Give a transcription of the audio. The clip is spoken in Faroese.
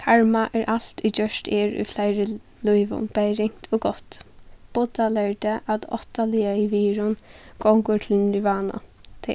karma er alt ið gjørt er í fleiri lívum bæði ringt og gott budda lærdi at áttaliðaði vegurin gongur til nirvana